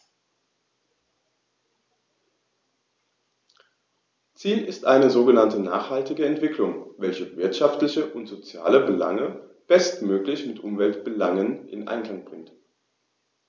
Ziel ist eine sogenannte nachhaltige Entwicklung, welche wirtschaftliche und soziale Belange bestmöglich mit Umweltbelangen in Einklang bringt.